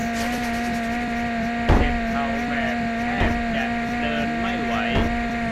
เจ็บเข่าแบบแทบจะเดินไม่ไหว